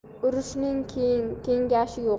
urushning kengashi yo'q